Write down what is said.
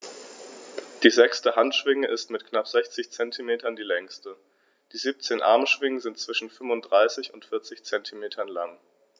Die sechste Handschwinge ist mit knapp 60 cm die längste. Die 17 Armschwingen sind zwischen 35 und 40 cm lang.